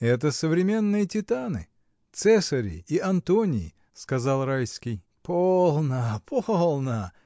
— Это современные титаны: Цесари и Антонии. — сказал Райский. — Полно, полно!